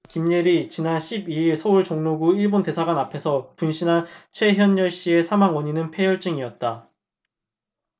김예리 지난 십 이 일 서울 종로구 일본대사관 앞에서 분신한 최현열씨의 사망 원인은 패혈증이었다